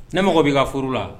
Ne mago bɛ ka foro la